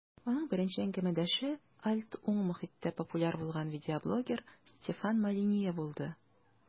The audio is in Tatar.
Аның беренче әңгәмәдәше "альт-уң" мохиттә популяр булган видеоблогер Стефан Молинье булды.